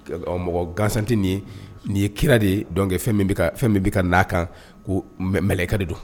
Mɔgɔ gansanti nin ye nini ye kira de dɔnke fɛn fɛn min bɛ ka n'a kan ko mkɛ de don